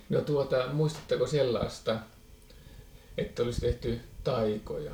no tuota muistatteko sellaista että olisi tehty taikoja